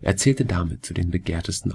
Er zählte damit zu den begehrtesten